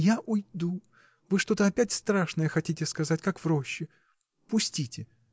— Я уйду: вы что-то опять страшное хотите сказать — как в роще. Пустите!